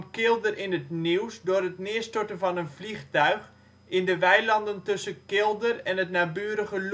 Kilder in het nieuws door het neerstorten van een vliegtuig in de weilanden tussen Kilder en het naburige